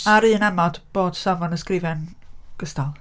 Ar un amod, bod safon y 'sgrifen gystal.